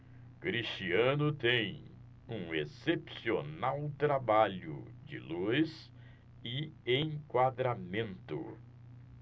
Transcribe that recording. cristiano tem um excepcional trabalho de luz e enquadramento